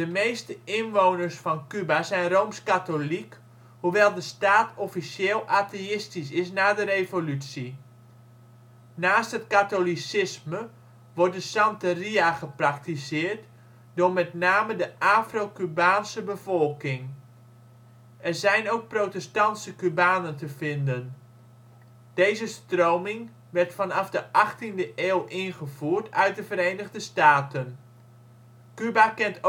meeste inwoners van Cuba zijn rooms-katholiek, hoewel de staat officieel atheïstisch is na de revolutie. Naast het Katholicisme wordt de Santería gepraktiseerd door met name de Afro-Cubaanse bevolking. Er zijn ook protestantse Cubanen te vinden, deze stroming werd vanaf de 18e eeuw ingevoerd uit de Verenigde Staten. Cuba kent